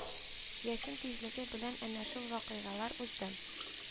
Яшен тизлеге белән әнә шул вакыйгалар узды